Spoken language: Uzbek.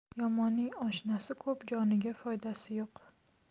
yomonning oshnasi ko'p joniga foydasi yo'q